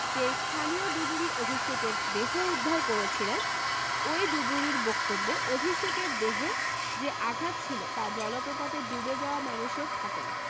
যে স্থানীয় ডুবুরি অভিষেকের দেহ উদ্ধার করেছিলেন ওই ডুবুরির বক্তব্য অভিষেকের দেহে যে আঘাত ছিল তা জলপ্রপাতে ডুবে যাওয়া মানুষের থাকে না